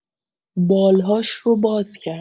بال‌هاش رو باز کرد.